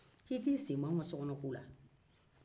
i t'i senbɔ anw ka sokɔnɔko la